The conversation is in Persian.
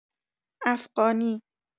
افغانی